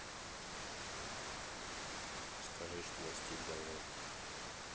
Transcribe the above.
скажи что настик давно